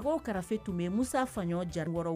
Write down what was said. Mɔgɔw kɛrɛfɛfe tun bɛ musa faɲɔ ja wɔɔrɔw